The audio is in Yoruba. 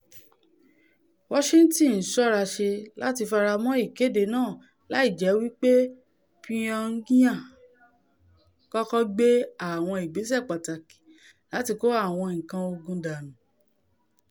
Washington ńsọ́raṣè láti faramọ́ ìkéde náà láijẹ́ wí pé Pyongyang kọ́kọ́ gbé àwọn ìgbésẹ̀ pàtàkì láti kó àwọn nǹkan ogun dánù.